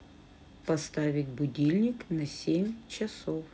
поставить будильник на семь часов